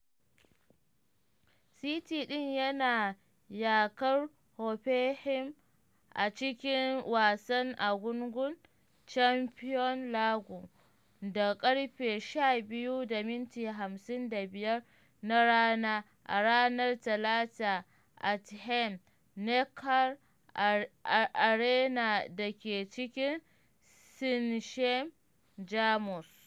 City ɗin yana yakar Hoffenheim a cikin wasan gungun Champions League da ƙarfe 12:55 na rana a ranar Talata at Rhein-Neckar-Arena da ke cikin Sinsheim, Jamus.